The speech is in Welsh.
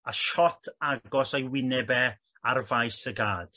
a siot agos o'i wyneb e ar faes y gad.